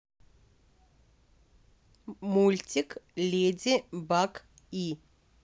мультик леди баг и